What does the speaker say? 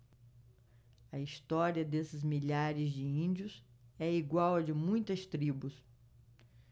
a história desses milhares de índios é igual à de muitas tribos